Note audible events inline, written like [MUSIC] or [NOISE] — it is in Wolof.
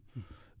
[HESITATION] [HESITATION]